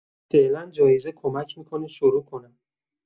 فعلا جایزه کمک می‌کنه شروع کنم.